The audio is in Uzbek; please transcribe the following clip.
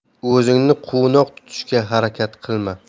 o'zingni quvnoq tutishga harakat qilma